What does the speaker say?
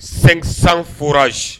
500 forages